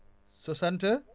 60